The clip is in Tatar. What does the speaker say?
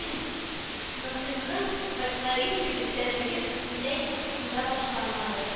Насыйриның фольклористик эшчәнлеге бөтенләй буш урында башланмады